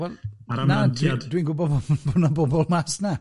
Wel na, dwi'n gwbod bo' 'na bobl mas 'na.